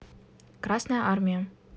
красная армия